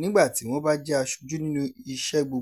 "nígbàtí wọ́n bá jẹ́ aṣojú nínú iṣẹ́ gbogbo":